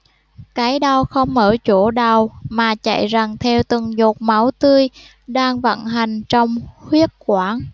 cái đau không ở chỗ đầu mà chạy rần theo từng giọt máu tươi đang vận hành trong huyết quản